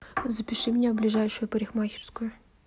запиши меня в ближайшую парикмахерскую